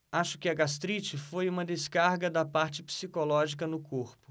acho que a gastrite foi uma descarga da parte psicológica no corpo